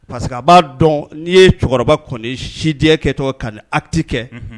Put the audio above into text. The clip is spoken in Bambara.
Parce que a b'a dɔn n'i ye cɛkɔrɔba kɔni sijɛ kɛ tɔgɔ ka ati kɛ